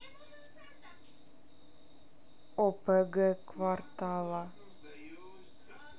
опг квартала